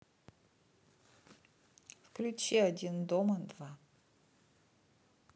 включи один дома два